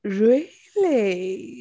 Really?